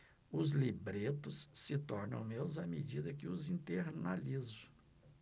os libretos se tornam meus à medida que os internalizo